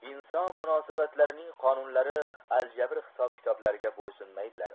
inson munosabatlarining konunlari aljabr hisob kitoblariga bo'ysunmaydilar